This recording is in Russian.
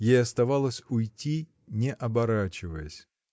Ей оставалось уйти, не оборачиваясь.